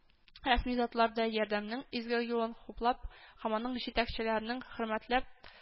Рәсми затлар да “ярдәмнең изге юлын хуплап һәм аның җитәкчеләрнең хөрмәтләп